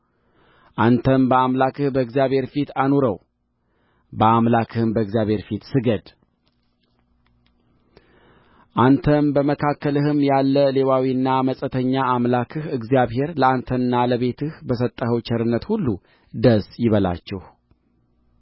አንተም በአምላክህ በእግዚአብሔር ፊት አኑረው በአምላክህም በእግዚአብሔር ፊት ስገድ አንተም በመካከልህም ያለ ሌዋዊና መጻተኛ አምላክህ እግዚአብሔር ለአንተና ለቤትህ በሰጠው ቸርነት ሁሉ ደስ ይበላችሁ